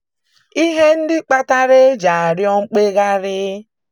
Ihe ndị kpatara e ji arịọ mkpegharị